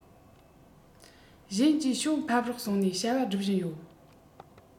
གཞན གྱིས ཞོ ཕམ རོགས སོང ནས བྱ བ སྒྲུབ བཞིན ཡོད